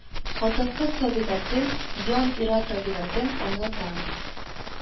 Хатын-кыз табигатен, «ян» ир-ат табигатен аңлата